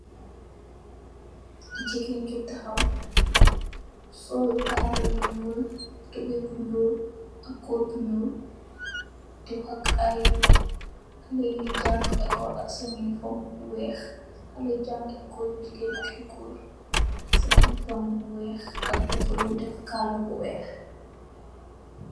Jigeen ju taxaw sol daala yu nuul tubai bu nuul ak kood bu nuul di hug ay xale yui jànga ecole ak sen uniform bu weex xale yui jànga ecole yu jigeen ak yu goor ak sen uniform bu weex bu bulu def kala bu weex